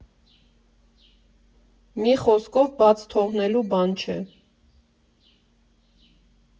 Մի խոսքով, բաց թողնելու բան չէ։